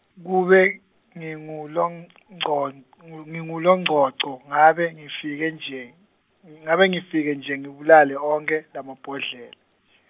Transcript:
kube, nginguLongcon- nginguLogcogco, ngabe ngifike nje, ngabe ngifike nje ngibulale onkhe, lamabhodlela .